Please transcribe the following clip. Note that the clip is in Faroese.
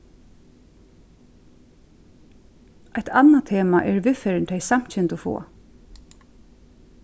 eitt annað tema er viðferðin tey samkyndu fáa